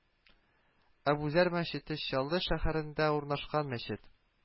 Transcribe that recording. Әбүзәр мәчете Чаллы шәһәрендә урнашкан мәчет